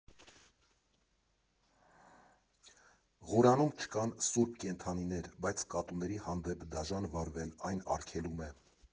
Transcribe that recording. Ղուրանում չկան սուրբ կենդանիներ, բայց կատուների հանդեպ դաժան վարվել այն արգելում է։